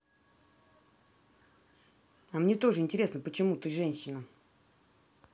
а мне тоже интересно почему ты женщина